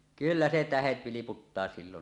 kyllä se tähdet vilputtaa silloin